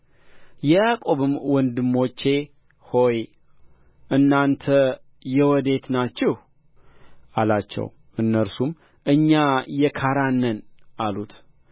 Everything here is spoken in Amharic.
ያዕቆብም ወንድሞቼ ሆይ እናንት የወዴት ናችሁ አላቸው እነርሱም እኛ የካራን ነን አሉት